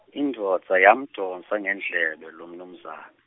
indvodza yamdvonsa ngendlebe lomnumzane.